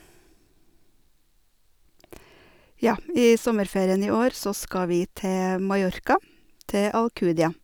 Ja, i sommerferien i år så skal vi til Mallorca, til Alcudia.